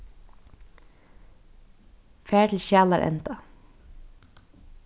far til skjalarenda